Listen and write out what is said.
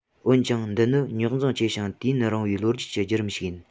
འོན ཀྱང འདི ནི རྙོག འཛིང ཆེ ཞིང དུས ཡུན རིང བའི ལོ རྒྱུས ཀྱི རྒྱུད རིམ ཞིག ཡིན